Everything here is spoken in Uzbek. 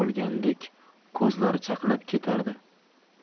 bo'lgandek ko'zlari chaqnab ketardi